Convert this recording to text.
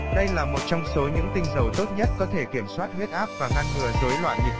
đây là một trong số những tinh dầu tốt nhất có thể kiểm soát huyết áp và ngăn ngừa rối loạn nhịp tim